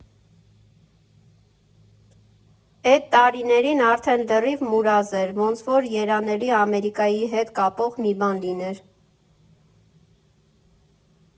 Էդ տարիներին արդեն լրիվ մուրազ էր, ոնց որ երանելի Ամերիկայի հետ կապող մի բան լիներ։